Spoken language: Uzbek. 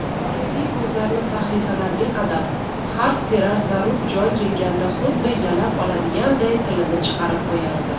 xolidiy ko'zlarini sahifalarga qadab harf terar zarur joy kelganda xuddi yalab oladiganday tilini chiqarib qo'yardi